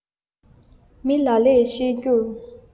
མི ལ ལས བཤད རྒྱུར